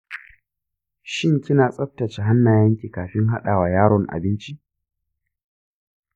shin kina tsaftace hannayenki kafin haɗawa yaron abinci?